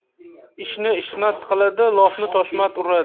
ishni ismat qiladi lofni toshmat uradi